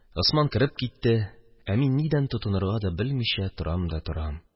Госман кереп китте инде, ә мин нидән тотынырга белмичә торам да торам